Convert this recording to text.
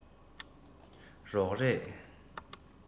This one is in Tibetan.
རོགས རེས